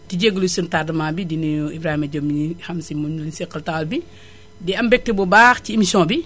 di jégalu sunu tardamaa bi di nuyu Ibrahima Diop mii xam si ne moom la ñu séqal table bi di am mbégte bu baax ci émission bi